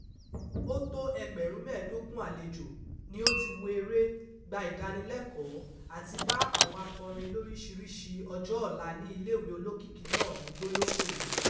Ó tó ẹgbẹ̀rún mẹ́ẹ̀ẹ́dógún àlejò ni ó ti wo eré, gba ìdánilẹ́kọ̀ọ́ àti bá àwọn akọrin lóríṣiírísí ọjọ́ ọ̀la ní iléèwé olókìkí náà ní gbólóhùn rí.